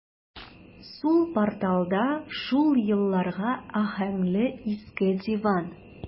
Сул порталда шул елларга аһәңле иске диван.